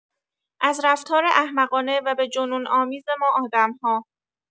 از رفتار احمقانه و به جنون‌آمیز ما آدم‌ها.